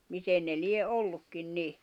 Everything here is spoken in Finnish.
miten ne lie ollutkin niin